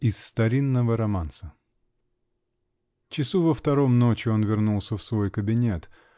Из старинного романса Часу во втором ночи он вернулся в свой кабинет.